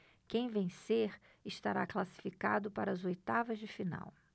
quem vencer estará classificado para as oitavas de final